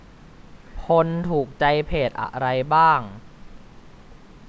พลถูกใจเพจอะไรบ้าง